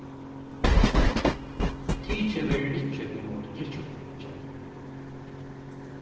tikið verður ikki ímóti drykkjupeningi